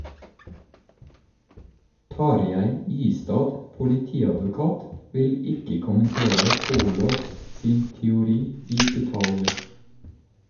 Tarjei Istad , politiadvokat , vil ikke kommentere Kolås sin teori i detalj.